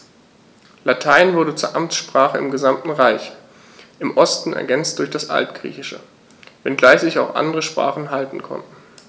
Latein wurde zur Amtssprache im gesamten Reich (im Osten ergänzt durch das Altgriechische), wenngleich sich auch andere Sprachen halten konnten.